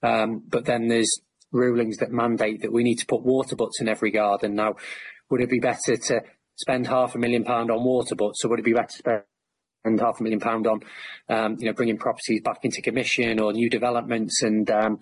erm, but then there's rulings that mandate that we need to put water bots in every garden. Now, would it be better to spend half a million pound on water bots sor would it be better to spend half a million pound on erm you know bringing properties back into commission, or new developments and erm